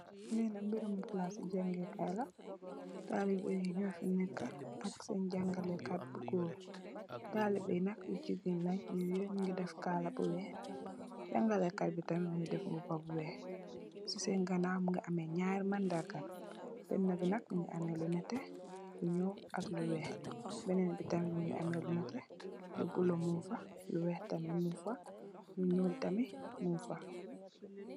Li nak beramu palassi jangeh kai la talibai nyofi neka ak sen jangaleh kai bu gorr talibai nak yu gigain nyonyu yep nyungi def kaala bu weih jangaleh kai bi tam Mungi def mbuba bu weih sey sen ganaw Mungi ameh nyarri mandarrga bena bi nak mungi ameh lu neteh lu nyuul ak lu weih benen bi tamit Mungi ameh lu neteh lu buluu mungfa lu weih tamit Mungfa lu nyuul tamit Mungfa.